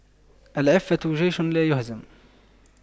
العفة جيش لايهزم